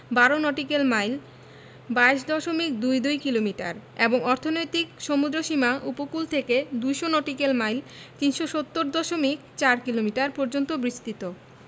১২ nautical mile ২২ দশমিক দুই দুই কিলোমিটার এবং অর্থনৈতিক সমুদ্রসীমা উপকূল থেকে ২০০ নটিক্যাল মাইল ৩৭০ দশমিক ৪ কিলোমিটার পর্যন্ত বিস্তৃত